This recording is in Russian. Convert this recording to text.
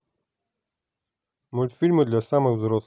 мультфильмы для самых взрослых